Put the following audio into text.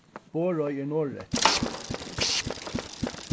borðoy er norðureftir